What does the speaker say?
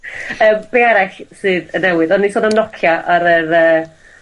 Yym be' arall sydd yn newydd? O'n ni'n sôn am Nokia ar yr yy